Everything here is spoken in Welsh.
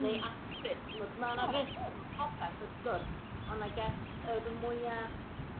Neu asprin. T'mod ma' 'na risg popeth wrth gwrs on' I guess yr mwya...